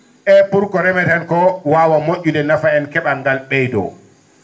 e pour ko remeten ko waawaa mo??ude naafa en ke?al ?eydo